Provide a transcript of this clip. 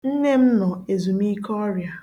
Nne m nọ ezumikeọrịa